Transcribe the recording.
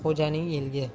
yo'q xo'janing elga